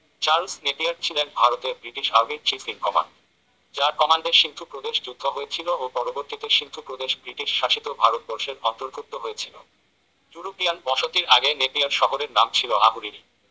Charles Napier ছিলেন ভারতে British আর্মির চিফ ইন কমান্ড যাঁর কমান্ডে সিন্ধু প্রদেশে যুদ্ধ হয়েছিল ও পরবর্তীতে সিন্ধু প্রদেশ ব্রিটিশ শাসিত ভারতবর্ষের অন্তর্ভুক্ত হয়েছিল ইউরোপিয়ান বসতির আগে নেপিয়ার শহরের নাম ছিল আহুরিরি